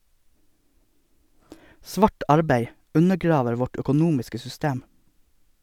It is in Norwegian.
Svart arbeid undergraver vårt økonomiske system.